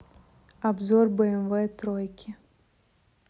обзор бмв тройки